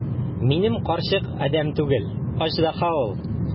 Минем карчык адәм түгел, аждаһа ул!